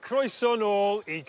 Croeso nôl i...